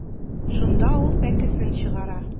Шунда ул пәкесен чыгара.